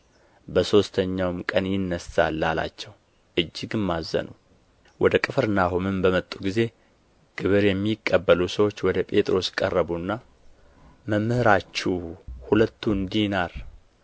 በሦስተኛውም ቀን ይነሣል አላቸው እጅግም አዘኑ ወደ ቅፍርናሆምም በመጡ ጊዜ ግብር የሚቀበሉ ሰዎች ወደ ጴጥሮስ ቀረቡና መምህራችሁ ሁለቱን ዲናር